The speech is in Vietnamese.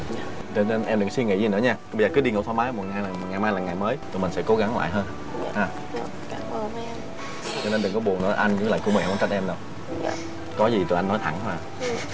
cho nên em đừng suy nghĩ nhiều quá ngày mai là ngày mới tụi mình sẽ cố gắng lại hơn ha cho nên đừng có buồn nữa anh với lại cú mèo không trách em đâu có gì tụi anh nói thẳng mà